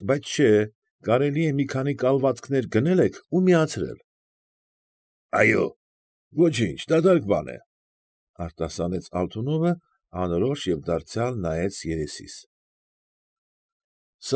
Բայց չէ, կարելի է մի քանի կալվածքներ գնել եք ու միացրել։ ֊ Այո՛, ոչինչ, դատարկ բան է,֊ արտասանեց Ալթունովը անորոշ և դարձյալ նայեց երեսիս։ ֊